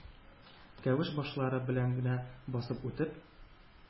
Кәвеш башлары белән генә басып үтеп,